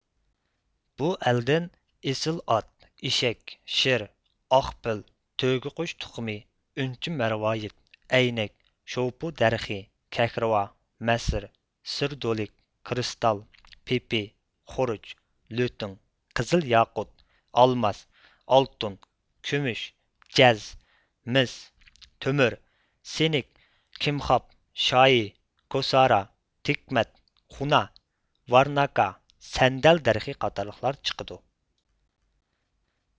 بۇ ئەلدىن ئېسىل ئات ئېشەك شىر ئاق پىل تۆگىقۇش تۇخۇمى ئۈنچە مەرۋايىت ئەينەك شوۋپۇ دەرىخى كەھرىۋا مەسر سېردولىك كىرىستال پىپى خورۇج لۈتېڭ قىزىل ياقۇت ئالماس ئالتۇن كۈمۈش جەز مىس تۆمۈر سىنىك كىمخاپ شايى كوسارا تېكمەت خۇنا ۋارناكا سەندەل دەرىخى قاتارلىقلار چىقىدۇ